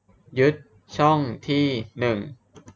ยึดช่องที่หนึ่ง